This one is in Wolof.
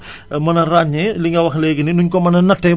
mën a ràññee li nga ko waxee léegi nii nu ñu ko mën a nattee